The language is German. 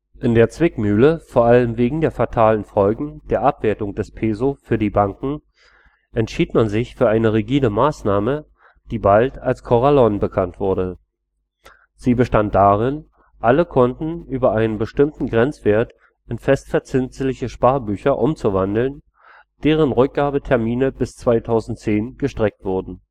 In der Zwickmühle vor allem wegen der fatalen Folgen der Abwertung des Peso für die Banken, entschied man sich für eine rigide Maßnahme, die bald als Corralón bekannt wurde. Sie bestand darin, alle Konten über einem bestimmten Grenzwert in festverzinsliche Sparbücher umzuwandeln, deren Rückgabetermine bis 2010 gestreckt wurden